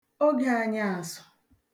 ogè ànyaàsụ̀